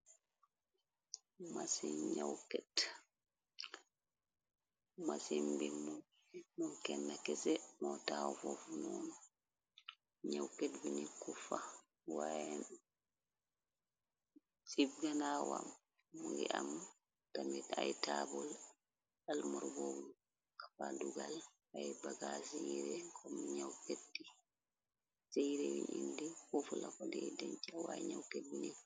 masi mbimmo non kenna kese mo taw fofu noonu ñawket binikfsib ganawam mu ngi am tamit ay taabul almorbou kfadugal pay baga ekom seyire yi indi xofulako dey deñca way ñawket bi nik